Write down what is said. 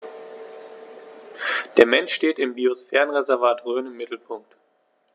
Der Mensch steht im Biosphärenreservat Rhön im Mittelpunkt.